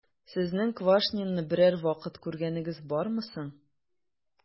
Сезнең Квашнинны берәр вакыт күргәнегез бармы соң?